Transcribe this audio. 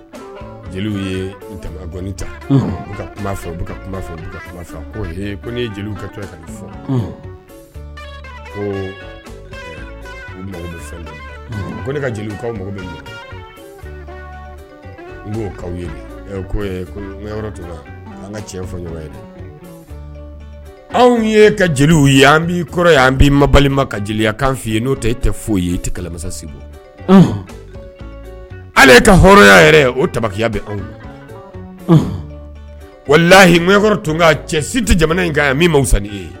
Jeliw ne n an ka anw ye ka jeliw ye an an ma ka jeliya kan f ye n'o e tɛ foyi ye e tɛmasasi ale ka hɔrɔnya yɛrɛ o tabakiya bɛ anw ma wala lahi tun cɛ si tɛ jamana kan ye min sa i ye